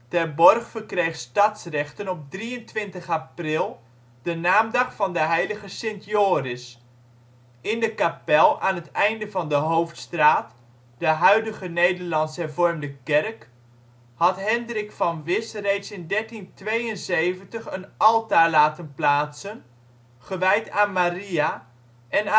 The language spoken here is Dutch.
Terborg verkreeg stadsrechten op 23 april, de naamdag van de heilige Sint Joris. In de kapel aan het einde van de hoofdstraat (de huidige Nederlands Hervormde Kerk) had Hendrik van Wisch reeds in 1372 een altaar laten plaatsen gewijd aan Maria en